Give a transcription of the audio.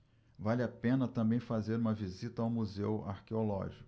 vale a pena também fazer uma visita ao museu arqueológico